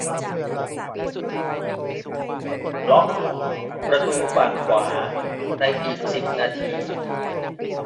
ล็อกประตูฝั่งขวาในอีกสิบนาที